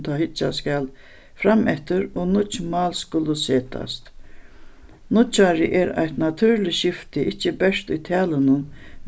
tá hyggjast skal frameftir og nýggj mál skulu setast nýggjárið er eitt natúrligt skifti ikki bert í talinum